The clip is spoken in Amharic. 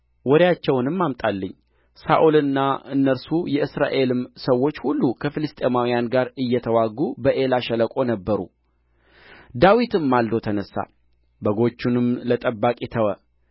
ወሬአቸውንም አምጣልኝ ሳኦልና እነርሱ የእስራኤልም ሰዎች ሁሉ ከፍልስጥኤማውያን ጋር እየተዋጉ በዔላ ሸለቆ ነበሩ ዳዊትም ማልዶ ተነሣ በጎቹንም ለጠባቂ ተወ